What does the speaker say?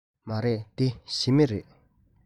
མ རེད འདི ཞི མི རེད